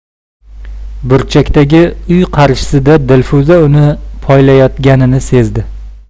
burchakdagi uy qarshisida dilfuza uni poylayotganini sezdi